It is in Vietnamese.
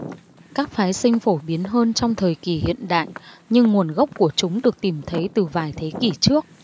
các phái sinh phổ biến hơn trong thời kỳ hiện đại nhưng nguồn gốc của chúng được tìm thấy từ vài thế kỷ trước